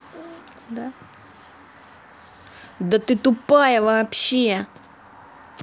да ты тупая вообще